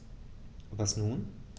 Was nun?